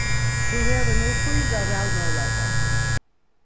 tú hevur nú fýra valmøguleikar